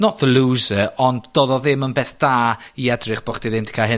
not the looser, ond do'dd o ddim yn beth da i edrych bo' chdi ddim 'di ca'l hyn